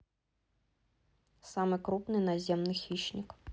самый крупный наземный хищник